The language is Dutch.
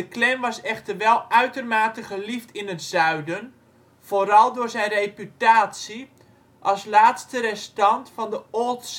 Klan was echter wel uitermate geliefd in het Zuiden, vooral door zijn reputatie als laatste restant van de Old